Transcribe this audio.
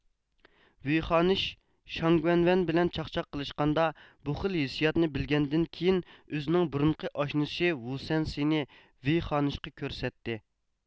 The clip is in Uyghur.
ۋېي خانىش شاڭگۈەنۋەن بىلەن چاخچاق قىلشقاندا بۇ خىل ھېسياتنى بىلگەندىن كېيىن ئۆزىنىڭ بۇرۇنقى ئاشنىسى ۋۇسەنسنى ۋېي خانىشقا كۆرسەتتى